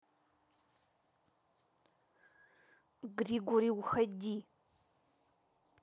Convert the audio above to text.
григорий уходи